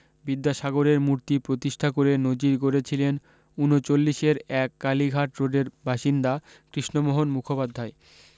বিদ্যাসাগরের মূর্তি প্রতিষ্ঠা করে নজির গড়েছিলেন উনচল্লিশের এক কালীঘাট রোডের বাসিন্দা কৃষ্ণমোহন মুখোপাধ্যায়